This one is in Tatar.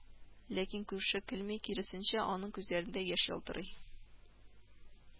Ләкин күрше көлми, киресенчә, аның күзләрендә яшь ялтырый